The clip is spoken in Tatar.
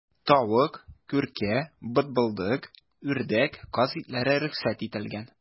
Тавык, күркә, бытбылдык, үрдәк, каз итләре рөхсәт ителгән.